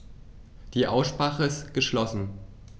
Die Aussprache ist geschlossen.